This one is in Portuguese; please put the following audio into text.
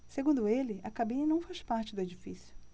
segundo ele a cabine não faz parte do edifício